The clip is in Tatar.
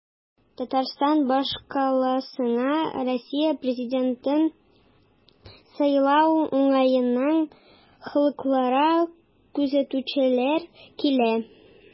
Татарстан башкаласына Россия президентын сайлау уңаеннан халыкара күзәтүчеләр килә.